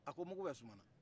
a ko mungu bɛɛ sumana